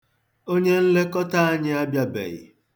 Onyenlekọta anyị abịaghị.